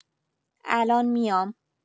الان میام.